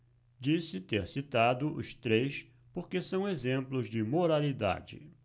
disse ter citado os três porque são exemplos de moralidade